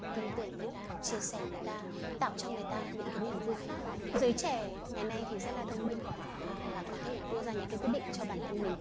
tin tưởng người ta chia sẻ người ta tạo cho người ta những cái niềm vui khác giới trẻ ngày nay rất là thông minh và có thể đưa ra quyết định cho bản thân mình